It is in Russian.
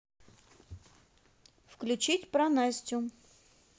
включить про настю